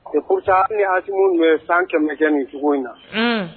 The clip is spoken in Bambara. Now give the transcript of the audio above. Kusa ni hasmu bɛ ye san kɛmɛ kɛ ni cogo in na